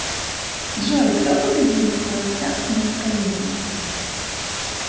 джой кто победил в холостяк на украине